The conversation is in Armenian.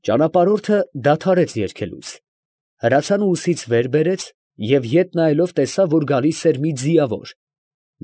Ճանապարհորդը դադարեց երգելուց, հրացանը ուսից վեր բերեց, և ետ նայելով, տեսավ, որ գալիս էր մի ձիավոր։